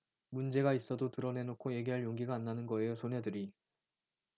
문제가 있어도 드러내놓고 얘기할 용기가 안 나는 거예요 소녀들이